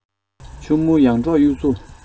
ཆུ མོ ཡར འབྲོག གཡུ མཚོ